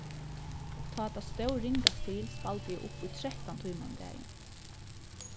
tá tað stóð ringast til spældi eg upp í trettan tímar um dagin